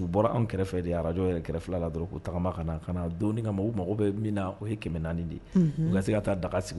U bɔra anw kɛrɛfɛ de ye arajo yɛrɛ kɛrɛfɛ fila la dɔrɔn'taama ka ka na don ka mɔgɔw mago bɛ min na o ye kɛmɛ naani de lase ka taa daga sigi